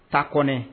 Ta ko